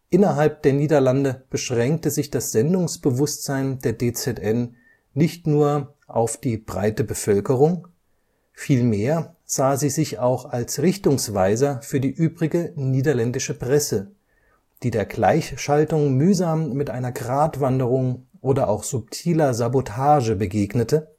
Innerhalb der Niederlande beschränkte sich das Sendungsbewusstsein der DZN nicht nur auf die breite Bevölkerung, vielmehr sah sie sich auch als Richtungsweiser für die übrige niederländische Presse, die der Gleichschaltung mühsam mit einer Gratwanderung oder auch subtiler Sabotage begegnete